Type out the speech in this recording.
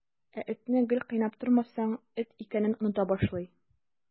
Ә этне гел кыйнап тормасаң, эт икәнен оныта башлый.